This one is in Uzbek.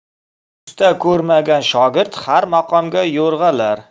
usta ko'rmagan shogird har maqomga yo'ig'alar